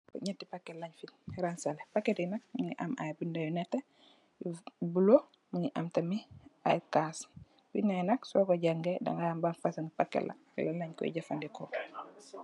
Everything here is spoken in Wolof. Nyatti paket leej fi ransale, paket yi nak, nyi ngi am ay binde yu nete, bula, mingi am tamin ay kaas, binde yi nak, so ko jange deggaay xam ban fason paket la, si lan lanj koy jafandiko.